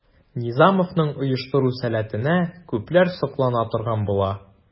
Низамовның оештыру сәләтенә күпләр соклана торган була.